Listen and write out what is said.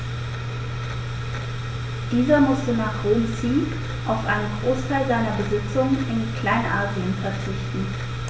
Dieser musste nach Roms Sieg auf einen Großteil seiner Besitzungen in Kleinasien verzichten.